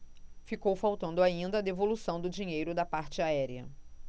ficou faltando ainda a devolução do dinheiro da parte aérea